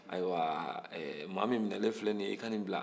ayiwa maa min minɛnen filɛ nin ye i ka nin bila